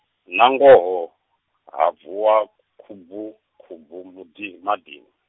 nangoho, ha vuwa, kubvukubvu muḓi maḓini.